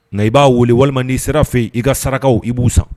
Nka i b'a wele walima n'i sira fɛ yen i ka sarakaw i b'u san.